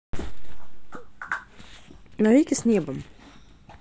навеки с небом